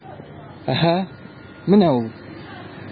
Әһә, менә ул...